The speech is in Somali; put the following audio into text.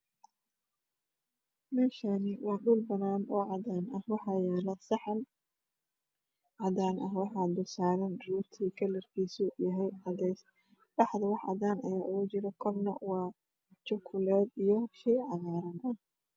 Me Shani wa dhul banan o cadan ah waxa yala saxan o cadan ah waxa dul saran rooti Kalar kisu uyahay cades dhax da waxa cadan aya ugu juri korna wa jukuleed iya shay cagar ah